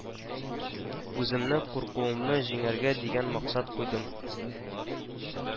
Үземне, куркуымны җиңәргә дигән максат куйдым